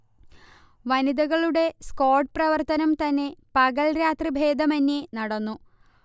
വനിതകളുടെ സ്ക്വാഡ് പ്രവർത്തനം തന്നെ പകൽരാത്രി ദേഭമേന്യേ നടന്നു